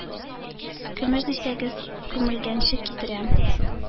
Көмеш дисәгез, күмелгәнче китерәм,